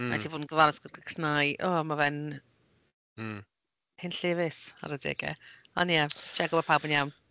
M-hm... Rhaid i ti fod yn gofalus gyda'r cnau. O mae fe'n... Mm. ...hunllefus ar adegau. Ond ie jyst tseco bod pawb yn iawn.